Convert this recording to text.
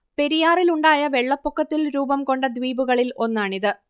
പെരിയാറിലുണ്ടായ വെള്ളപ്പൊക്കത്തിൽ രൂപം കൊണ്ട ദ്വീപുകളിൽ ഒന്നാണിത്